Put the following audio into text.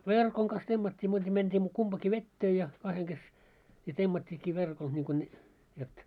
verkon kanssa temmattiin muuta mentiin kumpikin veteen ja kahden kesken ja temmattiinkin verkolla niin kuin ne jotta